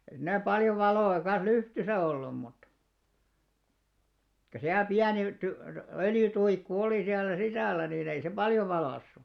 ei siinä paljon valoa kanssa lyhdyssä ollut mutta kyllä siellä pieni - öljytuikku oli siellä sisällä niin ei se paljon valaissut